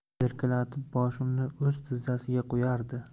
erkalatib boshimni o'z tizzasiga qo'yardi